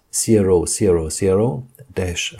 000-50-37 bezeichnet